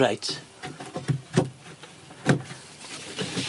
Reit.